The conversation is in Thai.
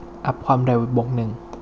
อัพความเร็วบวกหนึ่ง